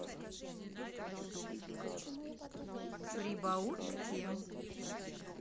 прибаутки